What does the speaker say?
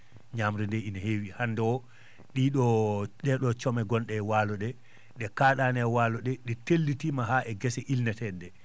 ñaamre nde ine heewi hannde o ɗiɗo ɗeɗo come gonɗe e waalo ɗe ɗe kaaɗaani e waalo ɗe ɗe tellitiima haa gese ilneteeɗe ɗe